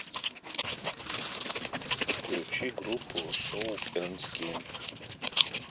включи группу соуп энд скин